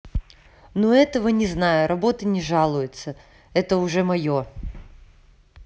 ну этого не знаю работы не жалуется это уже мое